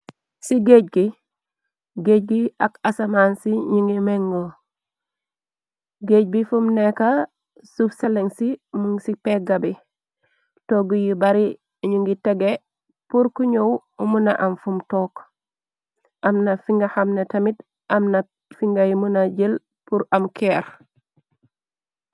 Si géej gi, géej bi ak asamaan ci ñu ngi mengo, géej bi fum neeka suf salensi mun ci pegga bi, togg yi bari ñu ngi tege pur ku ñow muna am fum toog, amna fi nga xamne tamit, amna fingay muna jël pur am keer.